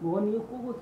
Dɔgɔnin ye kogo